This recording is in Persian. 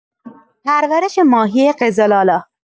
پرورش ماهی قزل‌آلا